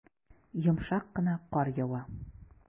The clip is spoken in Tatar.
Йомшак кына кар ява.